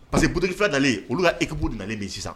Pas ke nalen olu ka ekipu de nalen bɛ